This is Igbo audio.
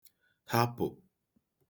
hapụ̀